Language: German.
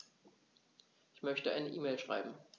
Ich möchte eine E-Mail schreiben.